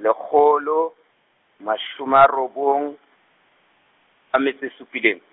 lekgolo, mashome a robong, a metso e supileng.